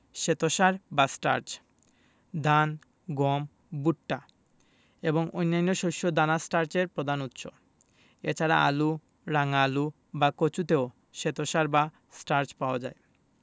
শ্বেতসার বা স্টার্চ ধান গম ভুট্টা এবং অন্যান্য শস্য দানা স্টার্চের প্রধান উৎস এছাড়া আলু রাঙা আলু বা কচুতেও শ্বেতসার বা স্টার্চ পাওয়া যায়